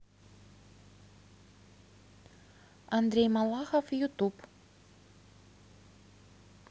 андрей малахов ютуб